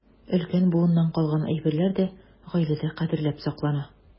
Өлкән буыннан калган әйберләр дә гаиләдә кадерләп саклана.